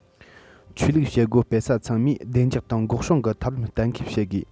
ཆོས ལུགས བྱེད སྒོ སྤེལ ས ཚང མས བདེ འཇགས དང འགོག སྲུང གི ཐབས ལམ གཏན འཁེལ བྱེད དགོས